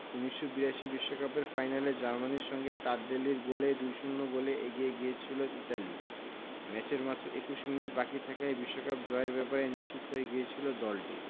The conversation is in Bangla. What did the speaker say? ১৯৮২ বিশ্বকাপের ফাইনালে জার্মানির সঙ্গে তারদেল্লির গোলেই ২ ০ গোলে এগিয়ে গিয়েছিল ইতালি ম্যাচের মাত্র ২১ মিনিট বাকি থাকায় বিশ্বকাপ জয়ের ব্যাপারে নিশ্চিত হয়ে গিয়েছিল দেশটি